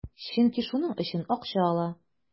Чөнки шуның өчен акча ала.